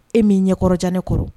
E m'i ɲɛkɔrɔjan ne kɔrɔ.